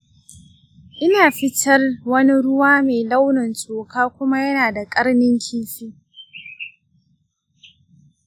ina fitar wani ruwa mai launin toka kuma yana da ƙarnin kifi.